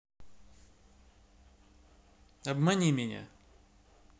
обмани меня